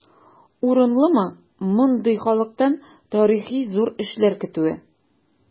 Урынлымы мондый халыктан тарихи зур эшләр көтүе?